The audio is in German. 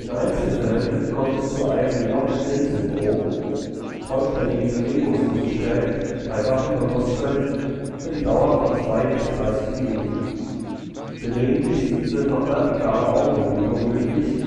Einzelfällen kommt es zu einem locked-in-Syndrom: vollständige Bewegungslosigkeit bei wachem Bewusstsein für die Dauer von 2 bis 30 Minuten, gelegentlich sind noch vertikale Augenbewegungen möglich